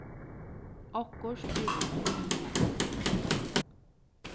okkurt er verri enn tað